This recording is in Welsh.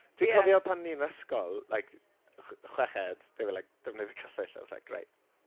Dwi'n cofio pan o'n i yn ysgol, like, chw- chweched, they were like, defnyddia Cysill. I was like, great.